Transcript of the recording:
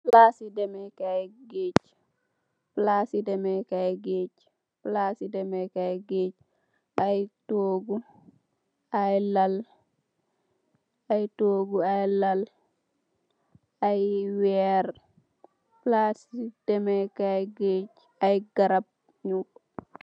Palaas i demee kaay, geege, Palaas i demee kaay, geege, Palaas i demee kaay, geege. Ay toogu, ay lal, ay weer, palaas i demee kaay geege ay garab.